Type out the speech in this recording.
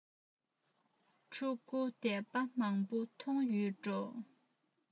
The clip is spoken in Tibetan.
ཕྲུ གུ བསྡད པ མང པོ མཐོང ཡོད འགྲོ